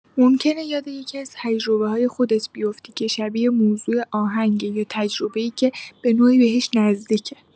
ممکنه یاد یکی‌از تجربه‌های خودت بیفتی که شبیه موضوع آهنگه یا تجربه‌ای که به‌نوعی بهش نزدیکه.